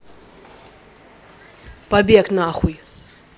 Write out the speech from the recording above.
побег нахуй